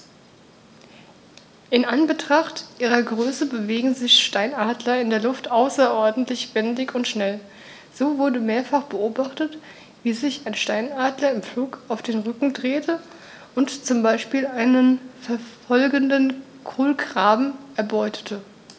In Anbetracht ihrer Größe bewegen sich Steinadler in der Luft außerordentlich wendig und schnell, so wurde mehrfach beobachtet, wie sich ein Steinadler im Flug auf den Rücken drehte und so zum Beispiel einen verfolgenden Kolkraben erbeutete.